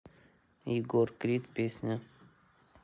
егор крид песня